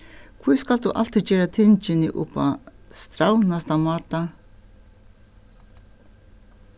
hví skalt tú altíð gera tingini upp á strævnasta máta